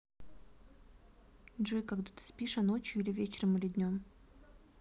джой когда ты спишь а ночью или вечером или днем